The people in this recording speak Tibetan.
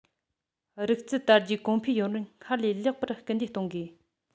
རིག རྩལ དར རྒྱས གོང འཕེལ ཡོང བར སྔར ལས ལེགས པར སྐུལ འདེད གཏོང དགོས